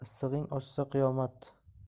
issig'ing oshsa qiyomat